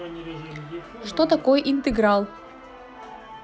что такое интеграл